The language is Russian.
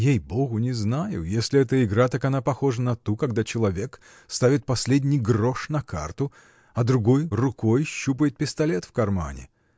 — Ей-богу, не знаю: если это игра, так она похожа на ту, когда человек ставит последний грош на карту, а другой рукой щупает пистолет в кармане.